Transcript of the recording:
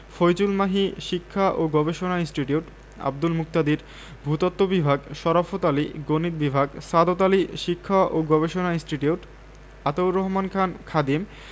ফয়জুল মহি শিক্ষা ও গবেষণা ইনস্টিটিউট আব্দুল মুকতাদির ভূ তত্ত্ব বিভাগ শরাফৎ আলী গণিত বিভাগ সাদত আলী শিক্ষা ও গবেষণা ইনস্টিটিউট আতাউর রহমান খান খাদিম